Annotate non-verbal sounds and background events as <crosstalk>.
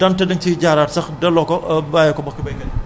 léegi nag xanaa balaa ñuy <hesitation> tëj émission bi nga conseil bi nga xam ne